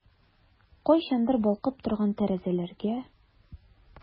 Кайчандыр балкып торган тәрәзәләргә...